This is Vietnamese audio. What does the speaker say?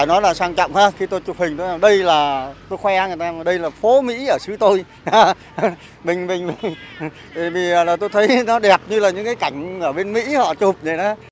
phải nói là sang trọng hơn khi tôi chụp hình đây là tôi khoe với người ta rằng đây là phố mỹ ở xứ tôi hờ hờ mình mình mình vì là tôi thấy nó đẹp như là những cái cảnh ở bên mỹ họ chụp vậy ớ